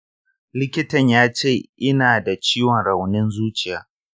likitan yace ina da ciwon raunin zuciya.